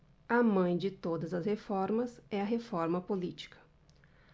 a mãe de todas as reformas é a reforma política